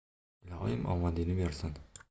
iloyim omadingni bersin